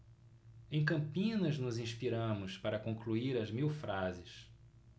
em campinas nos inspiramos para concluir as mil frases